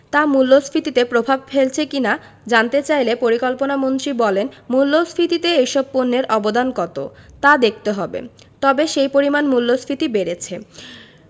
তা মূল্যস্ফীতিতে প্রভাব ফেলছে কি না জানতে চাইলে পরিকল্পনামন্ত্রী বলেন মূল্যস্ফীতিতে এসব পণ্যের অবদান কত তা দেখতে হবে তবে সেই পরিমাণ মূল্যস্ফীতি বেড়েছে